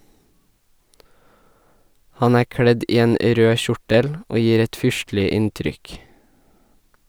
Han er kledd i en rød kjortel og gir et fyrstelig inntrykk.